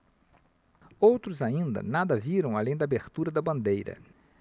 outros ainda nada viram além da abertura da bandeira